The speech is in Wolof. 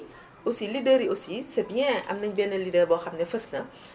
aussi leader yi aussi c' est bien am nañu benn leader boo xam ne fës na